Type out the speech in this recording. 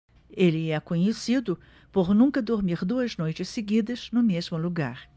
ele é conhecido por nunca dormir duas noites seguidas no mesmo lugar